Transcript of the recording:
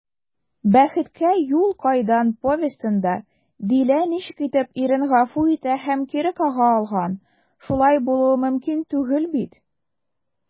«бәхеткә юл кайдан» повестенда дилә ничек итеп ирен гафу итә һәм кире кага алган, шулай булуы мөмкин түгел бит?»